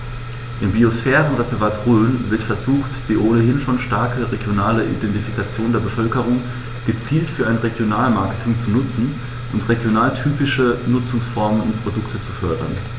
Im Biosphärenreservat Rhön wird versucht, die ohnehin schon starke regionale Identifikation der Bevölkerung gezielt für ein Regionalmarketing zu nutzen und regionaltypische Nutzungsformen und Produkte zu fördern.